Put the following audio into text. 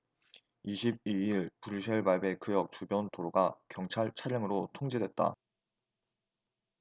이십 이 일 브뤼셀 말베이크역 주변 도로가 경찰 차량으로 통제됐다